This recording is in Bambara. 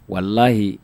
Walahi